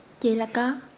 chị là có